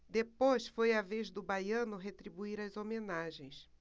depois foi a vez do baiano retribuir as homenagens